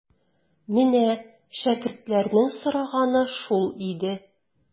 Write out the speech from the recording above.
Менә шәкертләрнең сораганы шул иде.